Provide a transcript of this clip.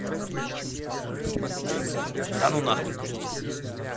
да ну нахуй